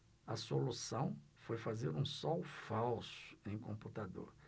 a solução foi fazer um sol falso em computador